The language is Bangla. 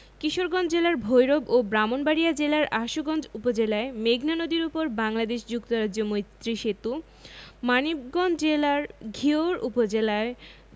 কিশোরগঞ্জ জেলার ভৈরব ও ব্রাহ্মণবাড়িয়া জেলার আশুগঞ্জ উপজেলায় মেঘনা নদীর উপর বাংলাদেশ যুক্তরাজ্য মৈত্রী সেতু মানিকগঞ্জ জেলার ঘিওর উপজেলায়